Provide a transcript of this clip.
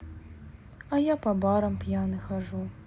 а я по барам пьяный хожу